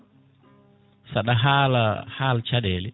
saɗa haala haal caɗele